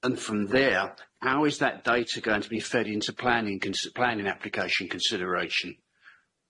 And from there, how is that data going to be fed into planning con- planning application consideration?